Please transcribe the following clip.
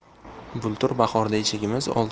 bultur bahorda eshigimiz